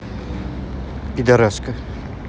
пидараска